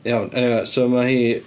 Iawn, eniwe so ma hi...